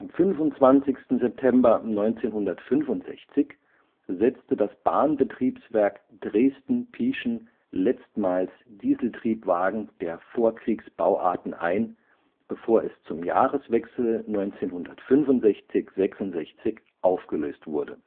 25. September 1965 setzte das Bahnbetriebswerk Dresden-Pieschen letztmals Dieseltriebwagen der Vorkriegsbauarten ein, bevor es zum Jahreswechsel 1965 / 66 aufgelöst wurde